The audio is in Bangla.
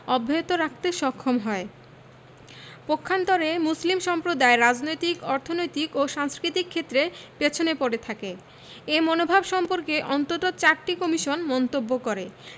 অব্যাহত রাখতে সক্ষম হয় পক্ষান্তরে মুসলিম সম্প্রদায় রাজনৈতিক অর্থনৈতিক ও সাংস্কৃতিক ক্ষেত্রে পেছনে পড়ে থাকে এ মনোভাব সম্পর্কে অন্তত চারটি কমিশন মন্তব্য করে